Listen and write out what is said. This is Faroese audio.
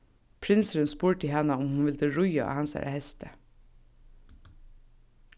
prinsurin spurdi hana um hon vildi ríða á hansara hesti